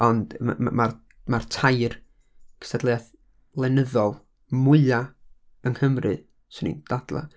ond m-m- ma'r, ma'r tair cystadleuaeth lenyddol mwya yng Nghymru, 'swn i'n dadlau.